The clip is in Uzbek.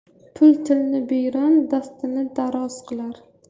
pul tilni biyron dastni daroz qilar